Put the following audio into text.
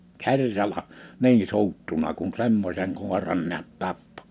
kerralla niin suuttuneena kun semmoisen koiran näet tappoi